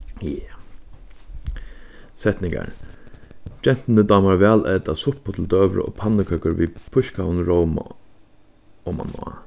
ja setningar gentuni dámar væl at eta suppu til døgurða og pannukøkur við pískaðum róma omaná